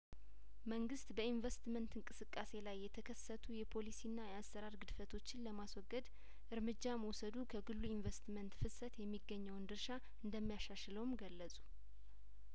መንግስት በኢንቨስትመንት እንቅስቃሴ ላይየተከሰቱ የፖሊሲና የአሰራር ግድፈቶችን ለማስወገድ እርምጃ መውሰዱ ከግሉ ኢንቨስትመንት ፍሰት የሚገኘውን ድርሻ እንደሚያሻሽለውም ገለጹ